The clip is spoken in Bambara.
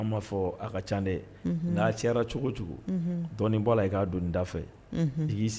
An'a fɔ a ka ca n'a cɛyara cogo cogo dɔnnii'a la i k'a don da fɛ sigi